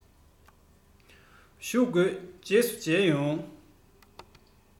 བཞུགས དགོས རྗེས སུ མཇལ ཡོང